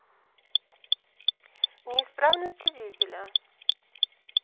неисправности дизеля